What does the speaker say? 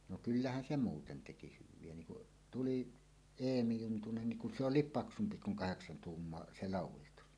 no kyllähän se muuten teki hyviä niin kun tuli Eemi Juntunen niin kun se oli paksumpi kuin kahdeksan tuumaa se laudistus